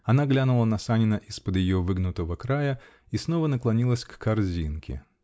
Она глянула на Санина из-под ее выгнутого края и снова наклонилась к корзинке.